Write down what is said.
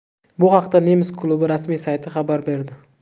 bu haqda nemis klubi rasmiy sayti xabar berdi